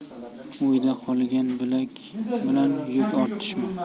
uyda qolgan bilan yuk ortishma